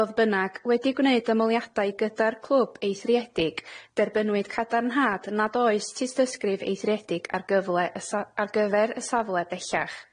Fodd bynnag, wedi gwneud ymholiadau gyda'r clwb eithriedig, derbynwyd cadarnhad nad oes tystysgrif eithriedig ar gyfle y sa- ar gyfer y safle bellach.